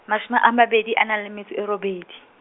mashome a mabedi a naleng le metso e robedi.